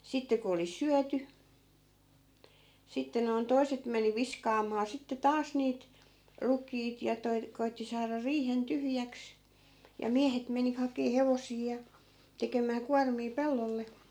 sitten kun oli syöty sitten noin toiset meni viskaamaan sitten taas niitä rukiita ja - koetti saada riihen tyhjäksi ja miehet meni hakemaan hevosia ja tekemään kuormia pellolle